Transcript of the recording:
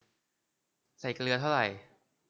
ใส่เกลือเท่าไร